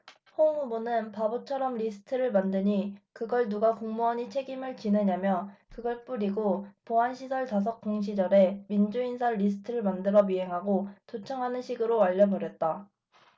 홍 후보는 바보처럼 리스트를 만드니 그걸 누가 공무원이 책임을 지느냐며 그걸 뿌리고 보안시절 다섯 공시절에 민주인사 리스트를 만들어 미행하고 도청하는 식으로 알려 버렸다